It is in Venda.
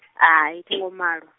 ai thi ngo malwa.